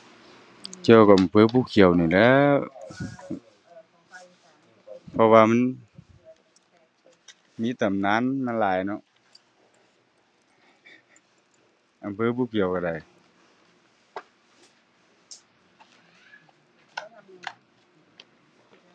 เกี่ยวกับอำเภอภูเขียวนี่แหล้ว เพราะว่ามันมีตำนานมาหลายเนาะ อำเภอภูเขียวกะดาย